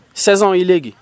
saisons yi léegi